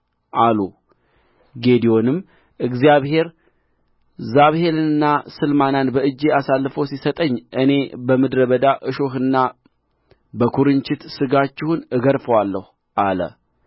ጌዴዎንም እግዚአብሔር ዛብሄልንና ስልማናን በእጄ አሳልፎ ሲሰጠኝ እኔ በምድረ በዳ እሾህና በኵርንችት ሥጋችሁን እገርፋለሁ አለ